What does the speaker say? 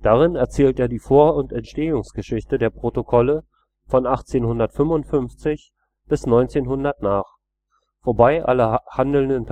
Darin erzählt er die Vor - und Entstehungsgeschichte der Protokolle von 1855 bis 1900 nach, wobei alle handelnden